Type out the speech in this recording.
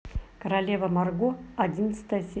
королева марго одиннадцатая серия